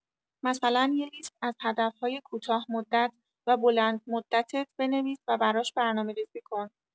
مثلا یه لیست از هدف‌های کوتاه‌مدت و بلندمدتت بنویس و براش برنامه‌ریزی کن.